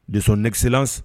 De son excellece